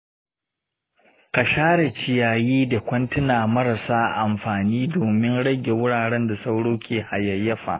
ka share ciyayi da kwantena marasa amfani domin rage wuraren da sauro ke hayayyafa.